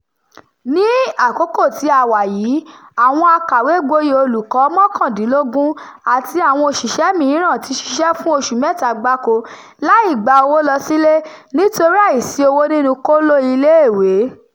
Ní àkókò tí a wà yìí, àwọn àkàwé-gboyè olùkọ́ 19 àti àwọn òṣìṣẹ́ mìíràn ti ṣiṣẹ́ fún oṣù mẹ́ta gbáko láì gba owó lọ sílé nítorí àìsí owó nínúu kóló iléèwé.